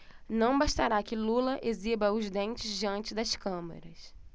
não bastará que lula exiba os dentes diante das câmeras